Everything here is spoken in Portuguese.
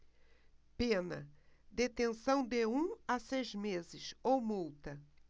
pena detenção de um a seis meses ou multa